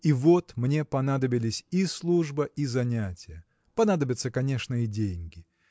И вот мне понадобились и служба и занятия понадобятся, конечно, и деньги.